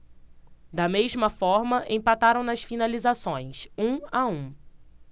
da mesma forma empataram nas finalizações um a um